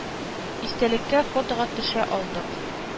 Истәлеккә фотога төшә алдык.